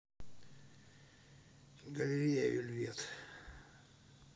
галерея вельвет